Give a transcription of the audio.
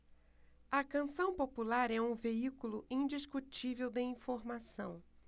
a canção popular é um veículo indiscutível de informação